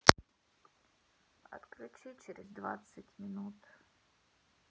отключить через двадцать минут